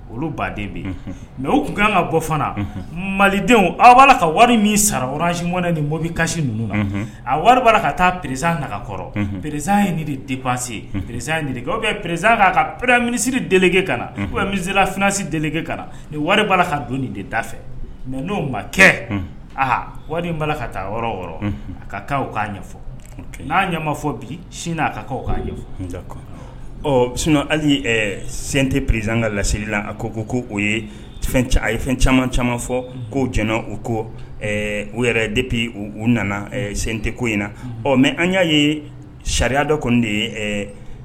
Olu baden bɛ mɛ u tun kan ka bɔ fana malidenw aw b'a la ka wari min sarasi mɔnɛ ni mɔbi kasisi ninnu na a wari'a la ka taa perezan na kɔrɔ perezsan ye dise perez pererez ka pere minisiririzla fsi kala ni wari' la ka don de da fɛ mɛ n'o ma kɛ aa wari b'a ka taa yɔrɔ a ka ka k'a ɲɛfɔ n'a ɲɛ fɔ bi sin'a ka'aw kaa ɲɛfɔ sin hali sente perezan ka laseli la a ko ko ko o ye a ye fɛn caman caman fɔ k'o jɛnɛ u ko u yɛrɛ depi u nana sen tɛ ko in na ɔ mɛ an y'a ye sariya dɔ kɔni de ye